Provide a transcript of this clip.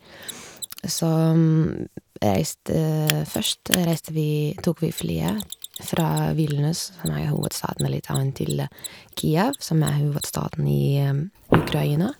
Så reiste først reiste vi tok vi flyet fra Vilnius, som er hovedstaden i Litauen, til Kiev, som er hovedstaden i Ukraina.